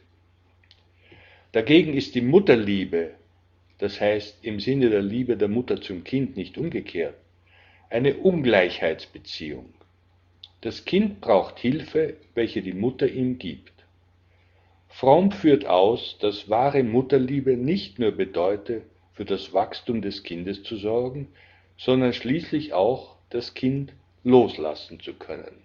Dagegen ist die Mutterliebe (im Sinne der Liebe der Mutter zum Kind, nicht umgekehrt) eine Ungleichheitsbeziehung: Das Kind braucht Hilfe, welche die Mutter ihm gibt. Fromm führt aus, dass wahre Mutterliebe nicht nur bedeute, für das Wachstum des Kindes zu sorgen, sondern schließlich auch loslassen zu können